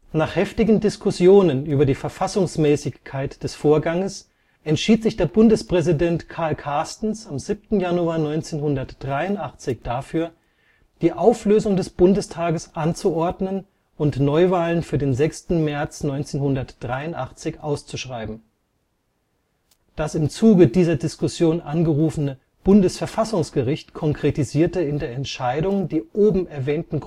Nach heftigen Diskussionen über die Verfassungsmäßigkeit des Vorganges entschied sich der Bundespräsident Karl Carstens am 7. Januar 1983 dafür, die Auflösung des Bundestages anzuordnen und Neuwahlen für den 6. März 1983 auszuschreiben. Das im Zuge dieser Diskussion angerufene Bundesverfassungsgericht konkretisierte in der Entscheidung die oben erwähnten